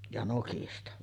ja nokista